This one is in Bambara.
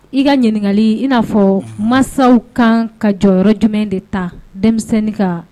I ka ɲininkakali i n'a fɔ masaw kan ka jɔyɔrɔ yɔrɔ jumɛn de ta denmisɛnninni ka